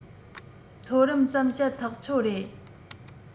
མཐོ རིམ ཙམ བཤད ཐག ཆོད རེད